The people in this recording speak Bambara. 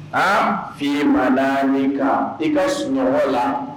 A fi ma naani ne ka i ka sunɔgɔ la